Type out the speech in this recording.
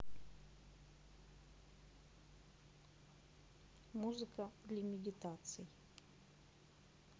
музыка для медитаций